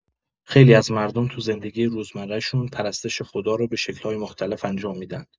خیلی از مردم تو زندگی روزمره‌شون، پرستش خدا رو به شکل‌های مختلف انجام می‌دن.